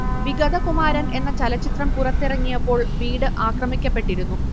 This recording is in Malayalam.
വിഗതകുമാരൻ എന്ന ചലച്ചിത്രം പുറത്തിറങ്ങിയപ്പോൾ വീട് ആക്രമിക്കപ്പെട്ടിരുന്നു